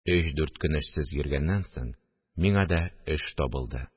Өч-дүрт көн эшсез йөргәннән соң, миңа да эш табылды